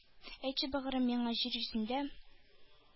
Әйтче, бәгърем, миңа, җир йөзендә